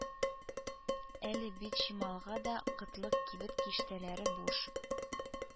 Әле бит чималга да кытлык кибет киштәләре буш